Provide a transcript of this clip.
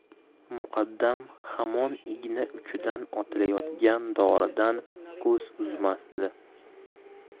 muqaddam hamon igna uchidan otilayotgan doridan ko'z uzmasdi